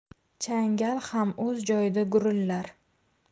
changal ham o'z joyida gurillar